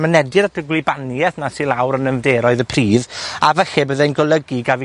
mynediad at y gwlybaniaeth 'na sy lawr yn nyfnderoedd y pridd, a falle byddai'n golygu gaf fi